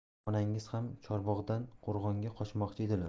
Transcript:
ulug' onangiz ham chorbog'dan qo'rg'onga ko'chmoqchi edilar